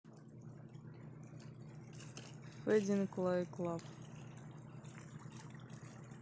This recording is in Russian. fading like love